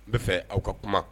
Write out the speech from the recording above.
N bɛ fɛ aw ka kuma